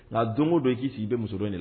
Nka don ŋo don i k'i sigi i bɛ muso dɔn in de la